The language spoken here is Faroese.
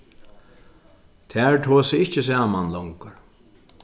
tær tosa ikki saman longur